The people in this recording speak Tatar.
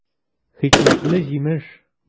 Хикмәтле җимеш!